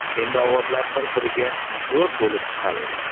endi ovozlar bir biriga jo'r bo'lib chiqar edi